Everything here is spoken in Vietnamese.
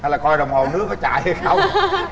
hay là coi đồng hồ nước có chảy hay không